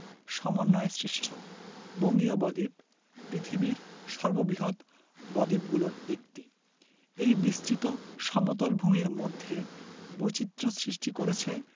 সমন্বয়ে সৃষ্ট বঙ্গীয় বদ্বীপ পৃথিবীর সর্ববৃহৎ বদ্বীপগুলোর একটি এই বিস্তৃত সমতল ভূমির মধ্যে বৈচিত্র্য সৃষ্টি করেছে